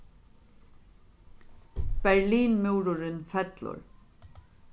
berlinmúrurin fellur